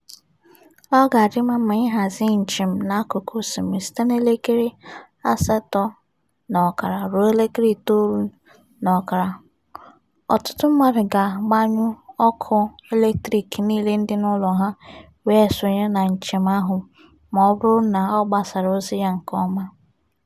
Ọ ga-adị mma ma ịhazi njem n'akụkụ osimiri site n'elekere 8:30 ruo 9:30 … Ọtụtụ mmadụ ga-agbanyụ ọkụ eletrik niile dị n'ụlọ ha wee sonye na njem ahụ ma ọ bụrụ na a gbasara ozi ya nke ọma.